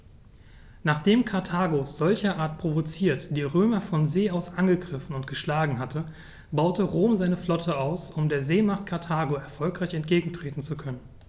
Nachdem Karthago, solcherart provoziert, die Römer von See aus angegriffen und geschlagen hatte, baute Rom seine Flotte aus, um der Seemacht Karthago erfolgreich entgegentreten zu können.